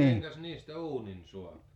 mitenkäs niistä uunin saa